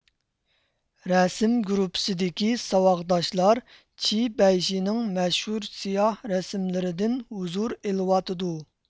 رەسىم گۇرۇپپىسىدىكى ساۋاقداشلار ئۇنىڭ مەشھۇر سىياھ رەسىملىرىدىن ھۇزۇر ئېلىۋاتىدۇ